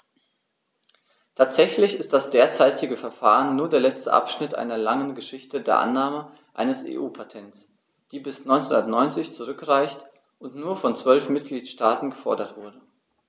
Tatsächlich ist das derzeitige Verfahren nur der letzte Abschnitt einer langen Geschichte der Annahme eines EU-Patents, die bis 1990 zurückreicht und nur von zwölf Mitgliedstaaten gefordert wurde.